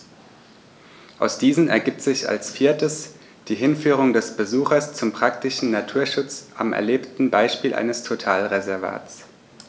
Aus diesen ergibt sich als viertes die Hinführung des Besuchers zum praktischen Naturschutz am erlebten Beispiel eines Totalreservats.